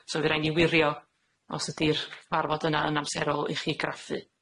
So fy' rhaid ni wirio os ydi'r cyfarfod yna yn amserol i chi graffu.